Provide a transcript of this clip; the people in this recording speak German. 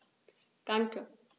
Danke.